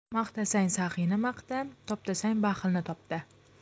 maqtasang saxiyni maqta toptasang baxilni topta